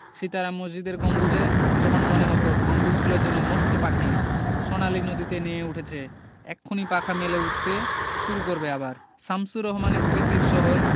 সিতারা মসজিদের গম্বুজে তখন মনে হতো গম্বুজগুলো যেন মস্ত পাখি সোনালি নদীতে নেয়ে উঠেছে এক্ষুনি পাখা মেলে উড়তে শুরু করবে আবার শামসুর রহমানের স্মৃতির শহর